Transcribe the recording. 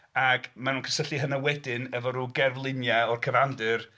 Ag mae nhw'n cysylltu hynna wedyn efo rhyw gerfluniau o'r cyfandir...